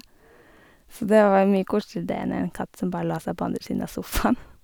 Så det var jo mye koseligere dét enn en katt som bare la seg på andre siden av sofaen.